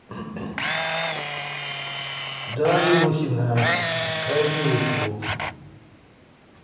дарья блохина искать на ютуб